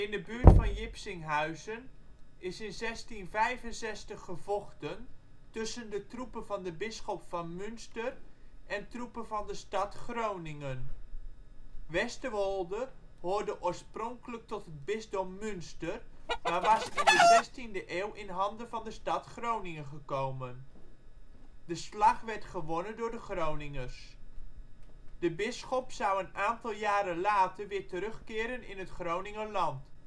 de buurt van Jipsinghuizen is in 1665 gevochten tussen de troepen van de bisschop van Münster en troepen van de stad Groningen. Westerwolde hoorde oorspronkelijk tot het bisdom Münster, maar was in de zestiende eeuw in handen van de stad Groningen gekomen. De slag werd gewonnen door de Groningers. De bisschop zou een aantal jaren later weer terugkeren in het Groningerland